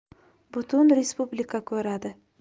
butun respublika ko'radi